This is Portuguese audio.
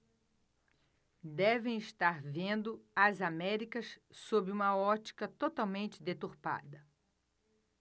devem estar vendo as américas sob uma ótica totalmente deturpada